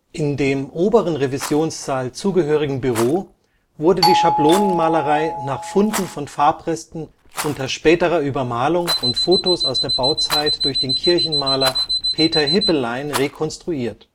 Im dem oberen Revisionssaal zugehörigen Büro wurde die Schablonenmalerei nach Funden von Farbresten unter späterer Übermalung und Fotos aus der Bauzeit durch den Kirchenmaler Peter Hippelein rekonstruiert